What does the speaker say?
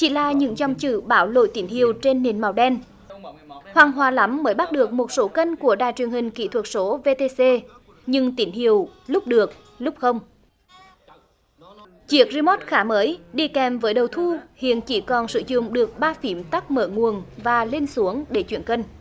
chỉ là những dòng chữ báo lỗi tín hiệu trên nền màu đen hoàng hoa lắm mới bắt được một số kênh của đài truyền hình kỹ thuật số vê tê xê nhưng tín hiệu lúc được lúc không chiếc ri mót khá mới đi kèm với đầu thu hiện chỉ còn sử dụng được ba phím tắt mở nguồn và lên xuống để chuyển kênh